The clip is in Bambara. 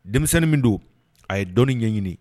Denmisɛnnin min don a ye dɔnnin ɲɛɲini.